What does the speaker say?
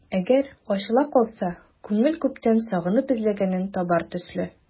Әгәр ачыла калса, күңел күптән сагынып эзләгәнен табар төсле...